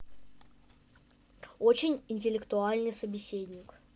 очень интеллектуальный собеседник